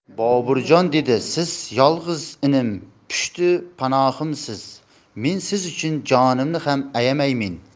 boburjon dedi siz yolg'iz inim pushti panohimsiz men siz uchun jonimni ham ayamaymen